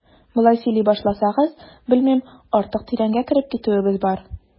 Болай сөйли башласагыз, белмим, артык тирәнгә кереп китүебез бар.